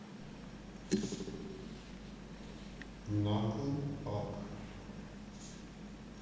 накл пак